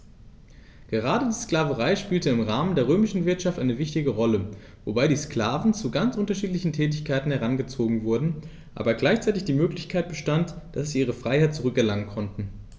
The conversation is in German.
Gerade die Sklaverei spielte im Rahmen der römischen Wirtschaft eine wichtige Rolle, wobei die Sklaven zu ganz unterschiedlichen Tätigkeiten herangezogen wurden, aber gleichzeitig die Möglichkeit bestand, dass sie ihre Freiheit zurück erlangen konnten.